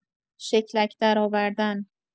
شکلک درآوردن